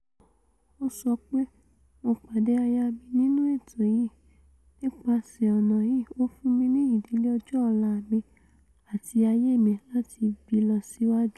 Ó s̵ọpé 'Mo pàde aya mi nínú ètò yìì, nípasè́ ọ̀nà yii ó fún mi ní ìdílé ọjọ́ ọ̀la mi, àti ayé mi láti ibí losi iwaju’